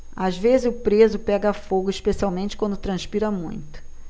às vezes o preso pega fogo especialmente quando transpira muito